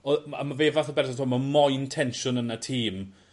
o- a ma' fe fath o berson t'mo' ma' moyn tensiwn yn y tîm.